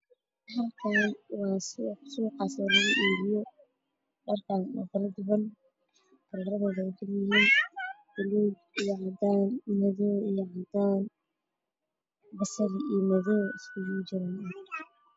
Meshaan waxa yaalo suuq suqaas oo lagu iibiyo dhar kala duwan kala ay kamid yihiin guduud iyo cadaan madow iyo cadaan basali isku jiro